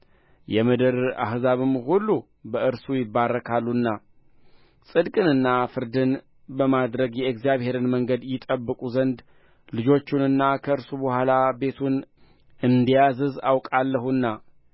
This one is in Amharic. የምድር አሕዛብም ሁሉ በእርሱ ይባረካሉና ጽድቅንና ፍርድን በማድረግ የእግዚአብሔርን መንገድ ይጠብቁ ዘንድ ልጆቹንና ከእርሱ በኋላ ቤቱን እንዲያዝዝ አውቃለሁና